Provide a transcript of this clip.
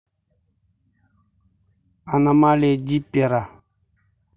аномалии диппера